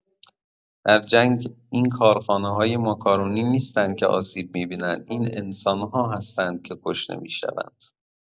در جنگ این کارخانه‌های ماکارونی نیستند که آسیب می‌بینند، این انسان‌ها هستند که کشته می‌شوند!